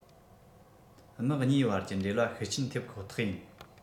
དམག གཉིས དབར གྱི འབྲེལ བ ཤུགས རྐྱེན ཐེབ ཁོ ཐག ཡིན